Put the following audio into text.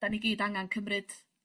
...'dan ni gyd angan cymryd